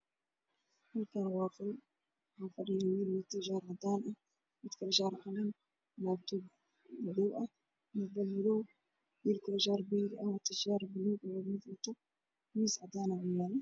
Halkaan waa qol waxaa fadhiyo wiil wato shaati cadaan, mid kaloo shaar cadaan ah, laabtoob madow ah, muubeel madow, will kaloo shaar buluug ah wato miis cadaan ayaa agyaalo.